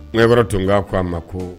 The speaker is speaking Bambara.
Ne yɔrɔ tunkan ko a ma ko